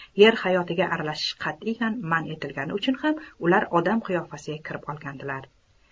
yer hayotiga aralashish qat'iyan man etilgani uchun ham ular odam qiyofasiga kirib olgandilar